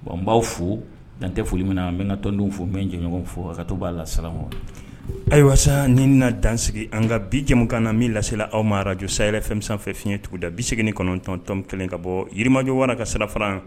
Bon an b'aw fo' tɛ foli min na an bɛ ka tɔndenww fɔ bɛ jɛɲɔgɔn fo ka to b'a lasama ayiwa ni na dansigi an ka bija kana na min lasela aw maraj sa fɛn fiɲɛɲɛ cogo da bi segin kɔnɔntɔntɔn kelen ka bɔ yirimajɔ wara ka sirafaran